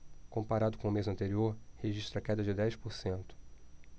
comparado com o mês anterior registra queda de dez por cento